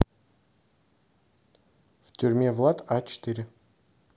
в тюрьме влад а четыре